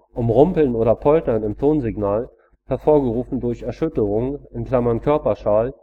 Um Rumpeln oder Poltern im Tonsignal, hervorgerufen durch Erschütterungen (Körperschall